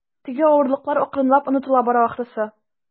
Теге авырлыклар акрынлап онытыла бара, ахрысы.